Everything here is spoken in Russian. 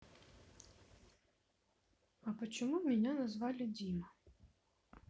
а почему меня назвали дима